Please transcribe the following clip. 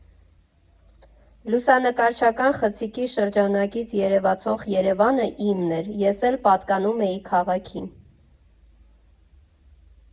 Լուսանկարչական խցիկի շրջանակից երևացող Երևանը իմն էր, ես էլ պատկանում էի քաղաքին։